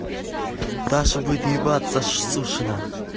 даша будет ебаться сушина